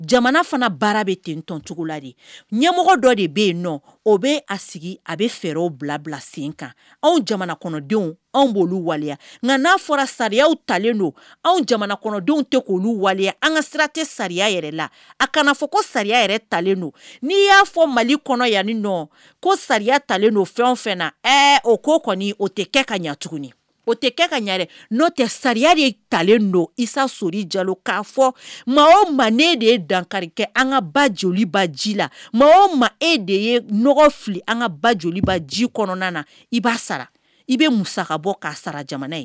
Jamana fana baara bɛ tentɔnoncogo la de ɲɛmɔgɔ dɔ de bɛ yen nɔ o bɛ a sigi a bɛ fɛ o bila bila sen kan anw jamana kɔnɔdenw anw' olu waleya nka n'a fɔra sariya talen don anw jamana kɔnɔdenw tɛ k'olu waleya an ka sira tɛ sariya yɛrɛ la a kana fɔ ko sariya yɛrɛ talen don n'i y'a fɔ mali kɔnɔ yan ni nɔ ko sariya talen don o fɛn fɛn na o ko kɔni o tɛ kɛ ka ɲɛ tuguni o tɛ kɛ ka ɲɛ n'o tɛ sariya de talen donsa so jalo k'a fɔ ma ne de ye dankɛ an ka ba joliba ji la maa ma e de ye nɔgɔ fili an ka ba joliba ji kɔnɔna na i b'a sara i bɛ musaka bɔ' sara jamana ye